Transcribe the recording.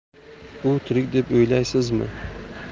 u tirik deb o'ylaysizmi